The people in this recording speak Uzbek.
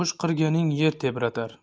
o'shqirganing yer tebratar